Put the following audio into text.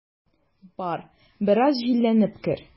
Бар, бераз җилләнеп кер.